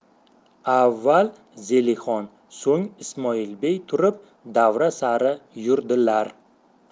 avval zelixon so'ng ismoilbey turib davra sari yurdilar